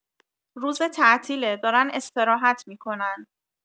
روز تعطیله دارن استراحت می‌کنن